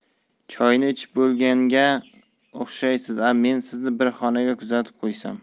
choyni ichib bo'lganga o'xshaysiz a men sizni bir xonaga kuzatib qo'ysam